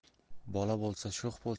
bola bo'lsa sho'x bo'lsin